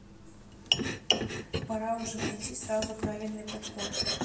пора уже найти сразу правильный подход